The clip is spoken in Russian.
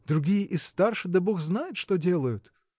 другие и старше, да бог знает что делают.